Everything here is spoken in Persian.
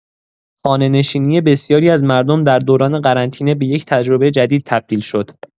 خانه‌نشینی بسیاری از مردم در دوران قرنطینه به یک تجربه جدید تبدیل شد.